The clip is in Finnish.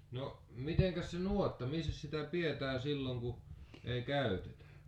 no mitenkäs se nuotta missäs sitä pidetään silloin kun ei käytetä